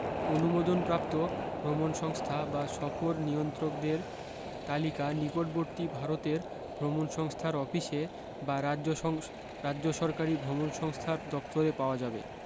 অনুমোদনপ্রাপ্ত ভ্রমণসংস্থা বা সফর নিয়ন্ত্রকদের তালিকা নিকটবর্তী ভারতীয় ভ্রমণসংস্থার অফিসে বা রাজ্যসরকারী ভ্রমণসংস্থার দপ্তরে পাওয়া যাবে